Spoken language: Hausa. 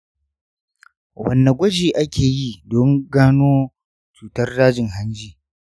wane gwaji ake yi don gano cutar dajin hanji?